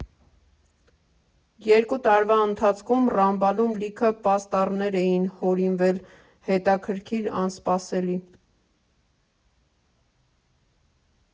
Երկու տարվա ընթացքում Ռամբալում լիքը պաստառներ էին հորինվել՝ հետաքրքիր, անսպասելի։